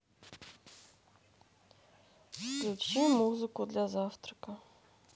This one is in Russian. включи музыку для завтрака